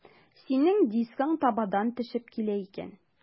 Синең дискың табадан төшеп килә икән.